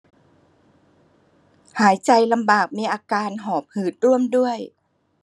หายใจลำบากมีอาการหอบหืดร่วมด้วย